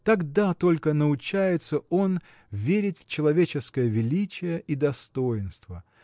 тогда только научается он верить в человеческое величие и достоинство.